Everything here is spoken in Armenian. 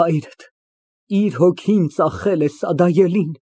Հայրդ իր հոգին ծախել է սադայելին։